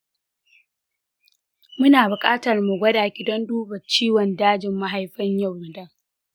muna buƙatan mu gwada ki don duba ciwon dajin mahaifa yau, madam.